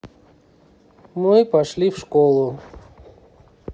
мы пошли в школу